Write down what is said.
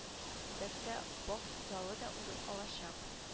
Үзәктә бокс залы да урын алачак